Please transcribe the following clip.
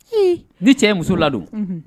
Ni cɛ muso ladon